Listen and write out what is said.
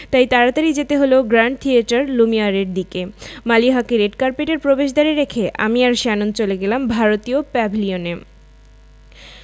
তাই তাড়াতাড়ি যেতে হলো গ্র্যান্ড থিয়েটার লুমিয়ারের দিকে মালিহাকে রেড কার্পেটের প্রবেশদ্বারে রেখে আমি আর শ্যানন চলে গেলাম ভারতীয় প্যাভিলিয়নে